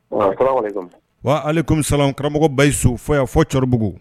Wa ale kɔmimisa karamɔgɔba y' su fo y'a fɔ cɛkɔrɔbabugu